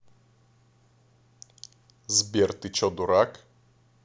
сбер ты че дурак